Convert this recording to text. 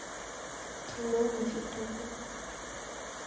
кино на ютубе